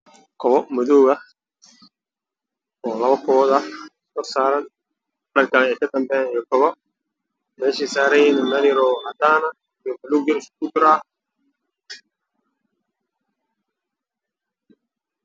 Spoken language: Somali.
Waa kabo madow ah